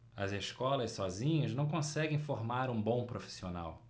as escolas sozinhas não conseguem formar um bom profissional